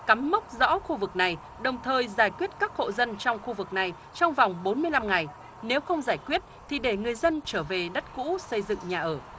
cắm mốc dõ khu vực này đồng thời giải quyết các hộ dân trong khu vực này trong vòng bốn mươi lăm ngày nếu không giải quyết thì để người dân trở về đất cũ xây dựng nhà ở